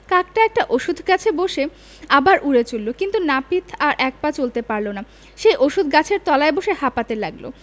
কাকটা একটা অশ্বখ গাছে বসে আবার উড়ে চলল কিন্তু নাপিত আর এক পা চলতে পারল না সেই অশ্বখ গাছের তলায় বসে পড়ে হাঁপাতে লাগল